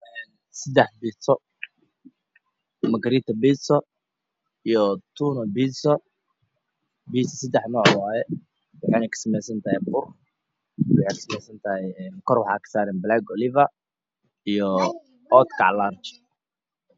Sadex biiza magariito biiza iyo tuuno biiza biiza sadex nooc waaye waxayna ka sameysantahay bur waxay ka sameysantahay kor waxaa ka saaran black oliva iyo oodkac